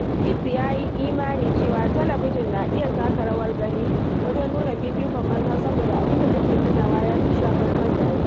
Kit ya yi imanin cewa talabijin na iya taka rawar gani wajen nuna fifikon maza Saboda abinda take nunawa yafi shafar mazaje